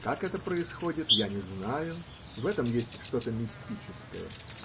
Как это происходит, я не знаю, в этом есть что-то мистическое.